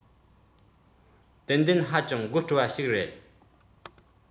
ཏན ཏན ཧ ཅང དགོད སྤྲོ བ ཞིག རེད